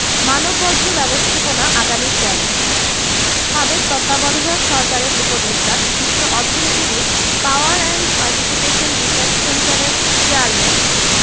মানববর্জ্য ব্যবস্থাপনা আগামীর চ্যালেঞ্জ সাবেক তত্ত্বাবধায়ক সরকারের উপদেষ্টা বিশিষ্ট অর্থনীতিবিদ পাওয়ার অ্যান্ড পার্টিসিপেশন রিসার্চ সেন্টারের চেয়ারম্যান